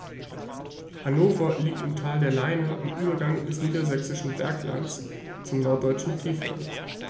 Hannover liegt im Tal der Leine am Übergang des Niedersächsischen Berglands zum Norddeutschen Tiefland.